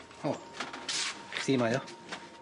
Ho. Chdi mae o.